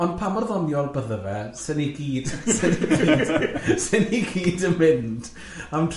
Ond pa mor ddoniol bydde fe, se ni gyd, se ni gyd, se ni gyd yn mynd am trip?